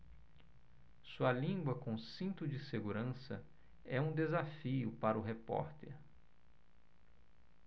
sua língua com cinto de segurança é um desafio para o repórter